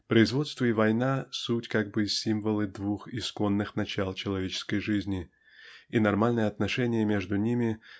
Производство и война суть как бы символы двух исконных начал человеческой жизни и нормальное отношение между ними